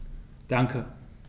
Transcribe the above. Danke.